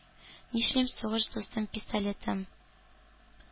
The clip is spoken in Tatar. Нишлим, сугыш дустым-пистолетым